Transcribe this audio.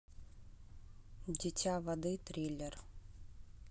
дитя воды триллер